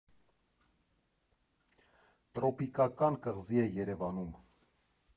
Տրոպիկական կղզի է Երևանում։